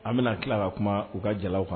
An bɛna tila ka kuma u ka ja kɔnɔ